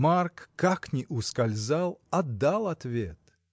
Марк, как ни ускользал, а дал ответ!